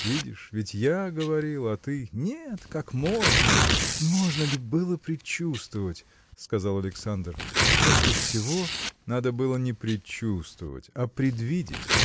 видишь: ведь я говорил, а ты: Нет, как можно! – Можно ли было предчувствовать?. – сказал Александр, – после всего. – Надо было не предчувствовать а предвидеть